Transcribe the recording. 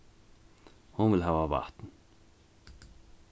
hon vil hava vatn